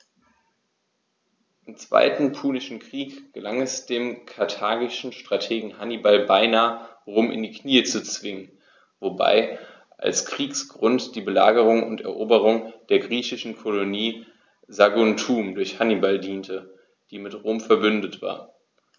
Im Zweiten Punischen Krieg gelang es dem karthagischen Strategen Hannibal beinahe, Rom in die Knie zu zwingen, wobei als Kriegsgrund die Belagerung und Eroberung der griechischen Kolonie Saguntum durch Hannibal diente, die mit Rom „verbündet“ war.